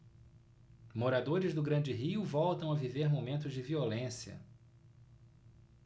moradores do grande rio voltam a viver momentos de violência